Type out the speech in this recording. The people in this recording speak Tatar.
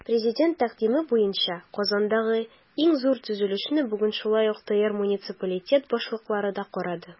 Президент тәкъдиме буенча Казандагы иң зур төзелешне бүген шулай ук ТР муниципалитет башлыклары да карады.